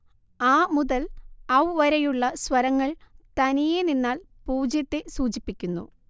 അ മുതൽ ഔ വരെയുള്ള സ്വരങ്ങൾ തനിയേ നിന്നാൽ പൂജ്യത്തെ സൂചിപ്പിക്കുന്നു